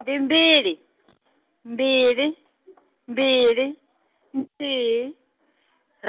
ndi mbili, mbili, mbili, nthihi ,